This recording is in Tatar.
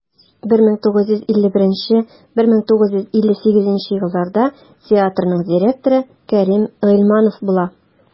1951-1958 елларда театрның директоры кәрим гыйльманов була.